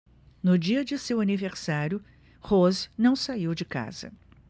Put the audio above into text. no dia de seu aniversário rose não saiu de casa